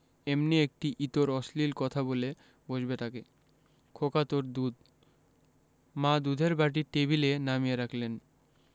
এমনি একটি ইতর অশ্লীল কথা বলে বসবে তাকে খোকা তোর দুধ মা দুধের বাটি টেবিলে নামিয়ে রাখলেন